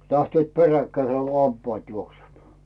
lähtivät peräkkäiseen kuin lampaat juoksemaan